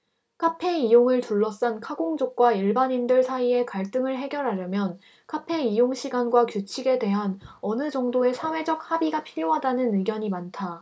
카페 이용을 둘러싼 카공족과 일반인들 사이의 갈등을 해결하려면 카페 이용시간과 규칙에 대한 어느 정도의 사회적 합의가 필요하다는 의견이 많다